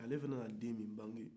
ale fana ye den min bange